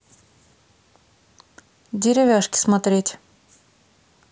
деревяшки смотреть